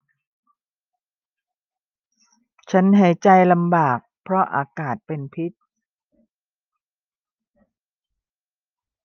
ฉันหายใจลำบากเพราะอากาศเป็นพิษ